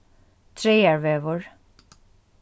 traðarvegur